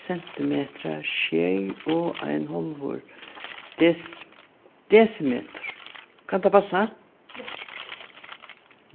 sentimetrar sjey og ein hálvur desimetur kann tað passa